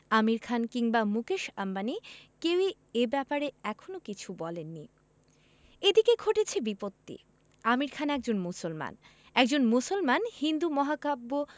আমির খান কিংবা মুকেশ আম্বানি কেউই এ ব্যাপারে এখনো কিছু বলেননি এদিকে ঘটেছে বিপত্তি আমির খান একজন মুসলমান একজন মুসলমান হিন্দু মহাকাব্য